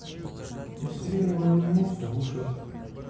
на сиреневой луне слушать